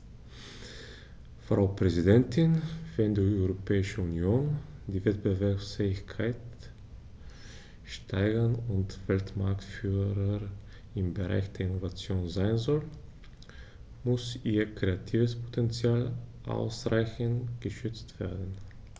Frau Präsidentin, wenn die Europäische Union die Wettbewerbsfähigkeit steigern und Weltmarktführer im Bereich der Innovation sein soll, muss ihr kreatives Potential ausreichend geschützt werden.